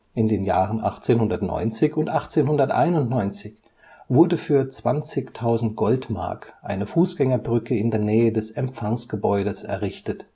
In den Jahren 1890 und 1891 wurde für 20.000 Goldmark eine Fußgängerbrücke in der Nähe des Empfangsgebäudes errichtet